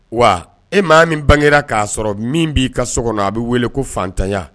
Wa e maa min bangera k'a sɔrɔ min b'i ka sɔkɔnɔ a be wele ko fantaya